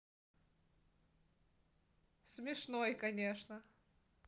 смешной конечно